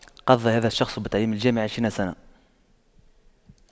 قضى هذا الشخص بالتعليم الجامعي عشرين سنة